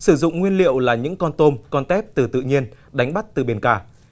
sử dụng nguyên liệu là những con tôm con tép từ tự nhiên đánh bắt từ biển cả